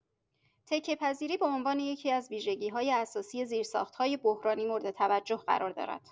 تکیه‌پذیری به عنوان یکی‌از ویژگی‌های اساسی زیرساخت‌های بحرانی مورد توجه قرار دارد.